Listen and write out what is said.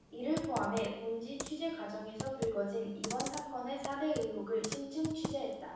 이를 포함해 본지 취재 과정에서 불거진 이번 사건의 사 대 의혹을 심층 취재했다